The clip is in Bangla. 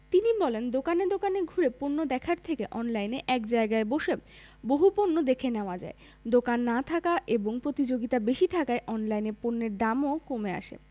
তিনি বলেন দোকানে দোকানে ঘুরে পণ্য দেখার থেকে অনলাইনে এক জায়গায় বসে বহু পণ্য দেখে নেওয়া যায় দোকান না থাকা এবং প্রতিযোগিতা বেশি থাকায় অনলাইনে পণ্যের দামও কমে আসে